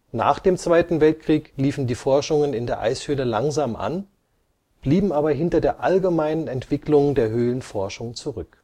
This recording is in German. Nach dem Zweiten Weltkrieg liefen die Forschungen in der Eishöhle langsam an, blieben aber hinter der allgemeinen Entwicklung der Höhlenforschung zurück